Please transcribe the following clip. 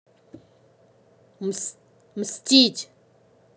мстить